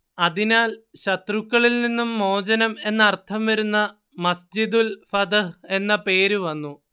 അതിനാൽ ശത്രുക്കളിൽ നിന്നും മോചനം എന്നർത്ഥം വരുന്ന മസ്ജിദുൽ ഫതഹ് എന്ന പേര് വന്നു